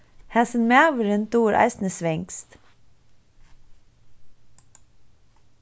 hasin maðurin dugir eisini svenskt